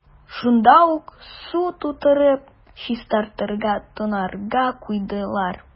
Шунда ук су тутырып, чистарырга – тонарга куйдылар.